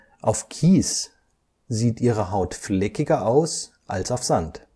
Auf Kies sieht ihre Haut fleckiger aus als auf Sand